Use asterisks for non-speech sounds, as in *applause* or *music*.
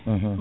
*hesitation* *hesitation*